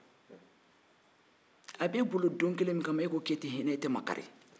a b'e bolo don kelen min kama e ko k'i tɛ hinɛ k'i tɛ makari